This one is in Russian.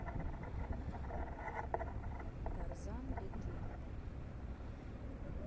тарзан легенда